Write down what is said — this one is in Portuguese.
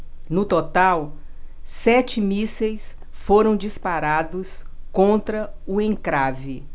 no total sete mísseis foram disparados contra o encrave